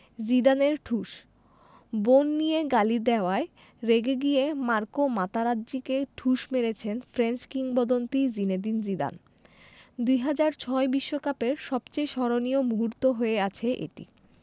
জিদানের ঢুস বোন নিয়ে গালি দেওয়ায় রেগে গিয়ে মার্কো মাতেরাজ্জিকে ঢুস মেরেছেন ফ্রেঞ্চ কিংবদন্তি জিনেদিন জিদান ২০০৬ বিশ্বকাপের সবচেয়ে স্মরণীয় মুহূর্ত হয়ে আছে এটি